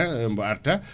mbo arta